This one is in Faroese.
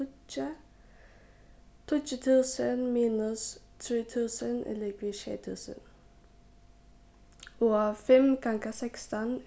tíggju tíggju túsund minus trý túsund er ligvið sjey túsund og fimm ganga sekstan